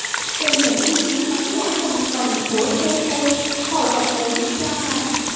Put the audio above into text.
từ những ý kiến đánh giá từng phần của ct hội vật lý cho rằng